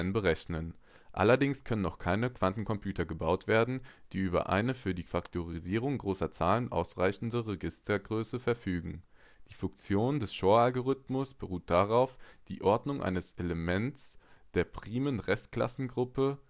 berechnen. Allerdings können noch keine Quantencomputer gebaut werden, die über eine für die Faktorisierung großer Zahlen ausreichende Registergröße verfügen. Die Funktion des Shor-Algorithmus beruht darauf, die Ordnung eines Elements der primen Restklassengruppe